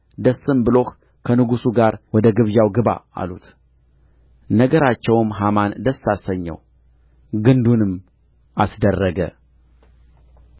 ደስም ብሎህ ከንጉሡ ጋር ወደ ግብዣው ግባ አሉት ነገራቸውም ሐማን ደስ አሰኘው ግንዱንም አስደረገ